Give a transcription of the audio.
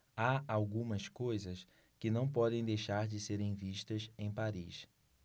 há algumas coisas que não podem deixar de serem vistas em paris